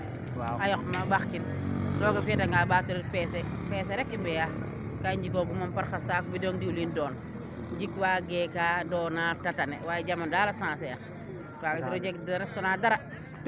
a yoq ma o ɓax kin rooga fiya nga o ɓaato ret peser peser rek i mbiya kaa i njikoogu moom par xa saaku biteel diwliin ndoom jikwaa geeka doona te tane waye jamano daal a changer a waga tiro jeg restaurant dara